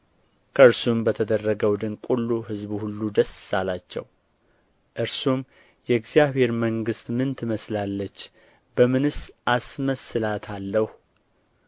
ከእርሱም በተደረገው ድንቅ ሁሉ ሕዝቡ ሁሉ ደስ አላቸው እርሱም የእግዚአብሔር መንግሥት ምን ትመስላለች በምንስ አስመስላታለሁ